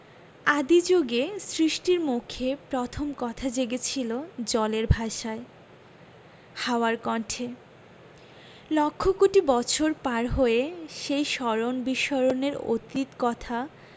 আদি জুগে সৃষ্টির মুখে প্রথম কথা জেগেছিল জলের ভাষায় হাওয়ার কণ্ঠে লক্ষ কোটি বছর পার হয়ে সেই স্মরণ বিস্মরণের অতীত কথা